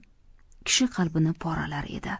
kishi qalbini poralar edi